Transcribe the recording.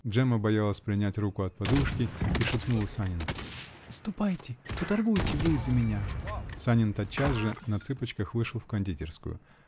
Джемма боялась принять руку от подушки и шепнула Санину: "Ступайте, поторгуйте вы за меня!" Санин тотчас же на цыпочках вышел в кондитерскую.